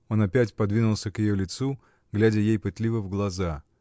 Он опять подвинулся к ее лицу, глядя ей пытливо в глаза.